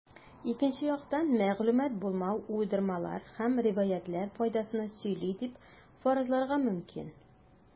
Икенче яктан, мәгълүмат булмау уйдырмалар һәм риваятьләр файдасына сөйли дип фаразларга мөмкин.